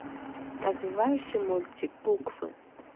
развивающий мультик буквы